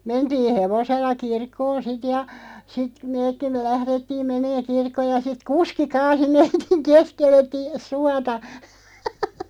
mentiin hevosella kirkkoon sitten ja sitten mekin me lähdettiin menemään kirkkoon ja sitten kuski kaatoi meidän keskelle - suota